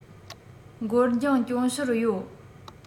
འགོར འགྱངས སྐྱོན ཤོར ཡོད